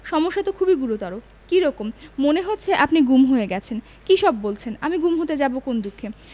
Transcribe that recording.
সমস্যা তো খুবই গুরুতর কী রকম মনে হচ্ছে আপনি গুম হয়ে গেছেন কী সব বলছেন আমি গুম হতে যাব কোন দুঃখে